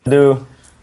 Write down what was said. Ydw.